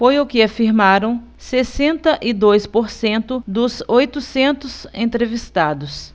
foi o que afirmaram sessenta e dois por cento dos oitocentos entrevistados